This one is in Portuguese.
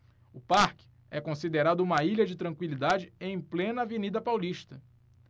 o parque é considerado uma ilha de tranquilidade em plena avenida paulista